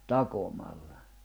takomalla